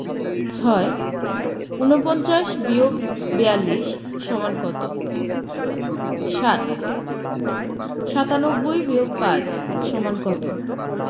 ৬ ৪৯-৪২ = কত ৭ ৯৭-৫ = কত